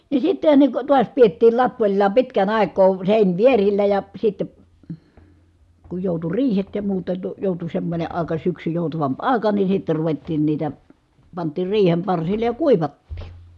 niin sittenhän ne kun taas pidettiin lapoillaan pitkän aikaa seinivierillä ja sitten kun joutui riihet ja muuta - joutui semmoinen aika syksy joutavampi aika niin sitten ruvettiin niitä pantiin riihen parsille ja kuivattiin